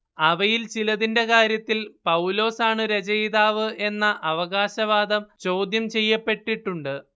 അവയിൽ ചിലതിന്റെ കാര്യത്തിൽ പൗലോസാണു രചയിതാവ് എന്ന അവകാശവാദം ചോദ്യംചെയ്യപ്പെട്ടിട്ടുണ്ട്